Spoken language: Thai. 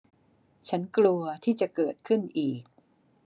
ฉันกลัวที่จะเกิดขึ้นอีก